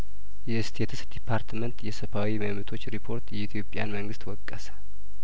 የስቴትስ ዲፓርትመንት የሰፓዊ መብቶች ሪፖርት የኢትዮጵያን መንግስት ወቀሰ